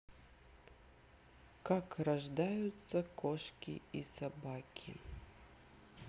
как рождаются кошки и собаки